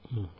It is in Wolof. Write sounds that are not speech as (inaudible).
(hesitation) (hesitation)